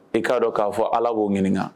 I k'a dɔn k'a fɔ ala b'o ɲininka